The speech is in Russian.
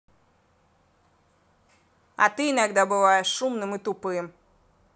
а ты иногда бываешь шумным и тупым